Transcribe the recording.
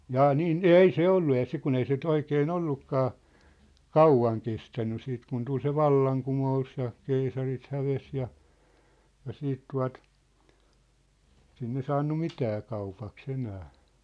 jaa niin ei se ollut ja siksi kun ei se nyt oikein ollutkaan kauan kestänyt sitten kun tuli se vallankumous ja keisarit hävisi ja ja sitten tuota sinne saanut mitään kaupaksi enää